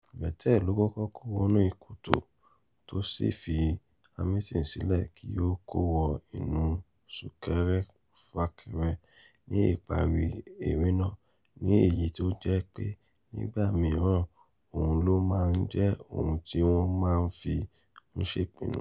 Vettel ló kọ́kọ́ kówọ inú kòtò tó sì fi Hamilton sílẹ̀ kí ó kó wọ inú súnkere-fàkere, ní ìparí eré náà, ní èyí tó jẹ́ pé nígbà mìíràn oùn ló ma ń jẹ́ ohun tí wọ́n má fi ń ṣèpinu.